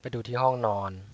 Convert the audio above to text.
ไปดูที่ห้องนอน